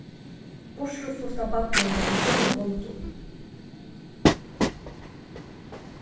burturflutta barnið var í góðum hondum